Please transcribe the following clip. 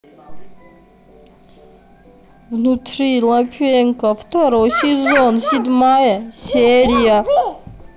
внутри лапенко второй сезон седьмая серия